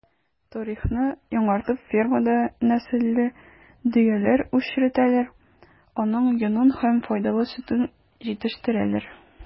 Тарихны яңартып фермада нәселле дөяләр үчретәләр, аның йонын һәм файдалы сөтен җитештерәләр.